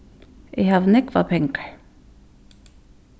eg havi nógvar pengar